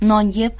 non yeb